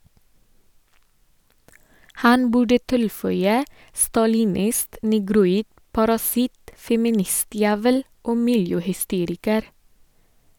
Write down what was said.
Han burde tilføye "stalinist", "negroid", "parasitt", "feministjævel" og "miljøhysteriker".